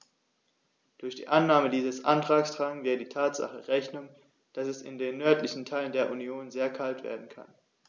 Durch die Annahme dieses Antrags tragen wir der Tatsache Rechnung, dass es in den nördlichen Teilen der Union sehr kalt werden kann.